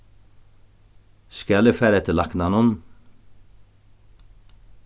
skal eg fara eftir læknanum